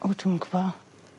O dwi'm yn gwbo.